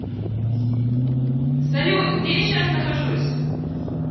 салют где я сейчас нахожусь